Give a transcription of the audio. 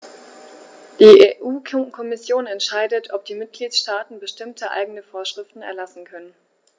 Die EU-Kommission entscheidet, ob die Mitgliedstaaten bestimmte eigene Vorschriften erlassen können.